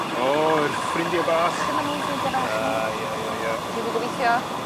O yr ffrindie bach. Dyma nhw ' yn ffrindia bach ni. A ie ie ie. Felly dwi gobeithio